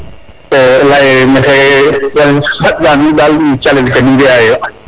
leye maxey sant a a nuun dal no calel ke mbiya yo